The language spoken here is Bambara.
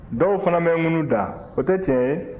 dɔw fana bɛ ŋunu da o tɛ tiɲɛ ye